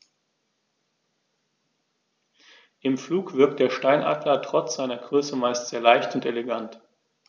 Im Flug wirkt der Steinadler trotz seiner Größe meist sehr leicht und elegant.